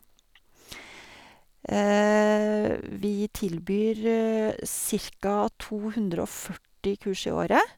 Vi tilbyr cirka to hundre og førti kurs i året.